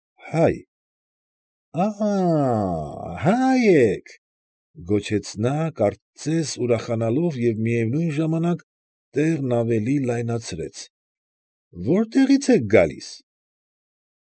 Հայ։ ֊ Աա՜, հա՞յ եք,֊ գոչեց նա, կարծես ուրախանալով և, միևնույն ժամանակ, տեղն ավելի լայնացրեց,֊ որտեղից եք գալիս։ ֊